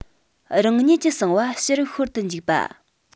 རང ཉིད ཀྱི གསང བ ཕྱིར ཤོར དུ མི འཇུག པ